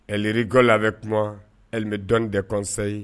Lri dɔ labɛn kuma mi dɔn de kɔsanyi